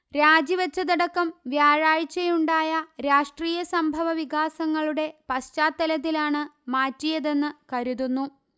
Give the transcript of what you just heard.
രാജിവച്ചതടക്കം വ്യാഴാഴ്ചയുണ്ടായ രാഷ്ട്രീയ സംഭവ വികാസങ്ങളുടെ പശ്ചാത്തലത്തിലാണ് മാറ്റിയതെന്ന്കരുതുന്നു